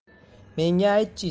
menga ayt chi so'radi